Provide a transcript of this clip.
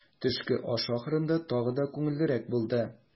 Төшке аш ахырында тагы да күңеллерәк булды.